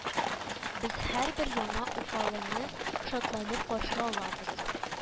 Без һәрбер яңа уфалыны шатланып каршы алабыз